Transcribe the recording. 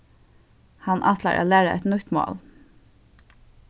hann ætlar at læra eitt nýtt mál